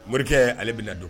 Morikɛ ale bɛna don